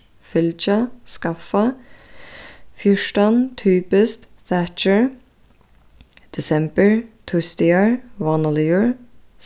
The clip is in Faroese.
fylgja skaffa fjúrtan typiskt thatcher desembur týsdagar vánaligur